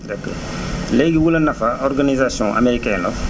d' accord léegi Wula Nafa organisation américain la